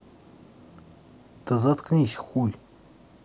да заткнись хуй